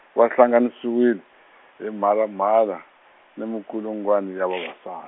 va hlanganisiwile, hi mhalamhala, ni minkulungwani ya vavasa-.